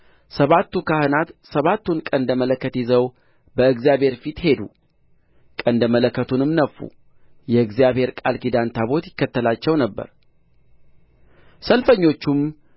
ሰባቱ ካህናት ሰባቱን ቀንደ መለከት ይዘው በእግዚአብሔር ፊት ሄዱ ቀንደ መለከቱንም ነፉ የእግዚአብሔር ቃል ኪዳን ታቦት ይከተላቸው ነበር ሰልፈኞቹም